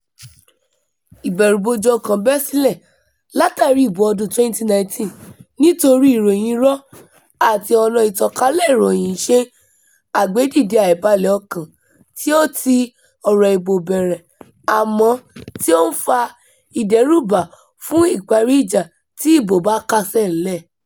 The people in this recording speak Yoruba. Ìbẹ̀rùbojo ọkàn bẹ́ sílẹ̀ látàrí ìbò ọdún-un 2019 nítorí ìròyìn irọ́ àti ọ̀nà ìtànkálẹ̀ ìròyìn ń ṣe àgbédìde àìbalẹ̀ ọkàn tí ó ti ọ̀rọ̀ ìbò bẹ̀rẹ̀ àmọ́ tí ó ń fa "ìdẹ́rùbà fún ìparí-ìjà tí ìbòó bá kásẹ̀ ńlẹ̀ ".